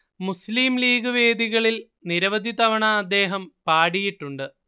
മുസ്ലീം ലീഗ് വേദികളിൽ നിരവധി തവണ അദ്ദേഹം പാടിയിട്ടുണ്ട്